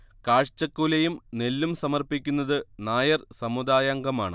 കാഴ്ചക്കുലയും നെല്ലും സമർപ്പിക്കുന്നത് നായർ സമുദായാംഗമാണ്